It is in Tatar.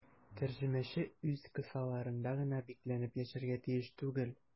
Тәрҗемәче үз кысаларында гына бикләнеп яшәргә тиеш түгел.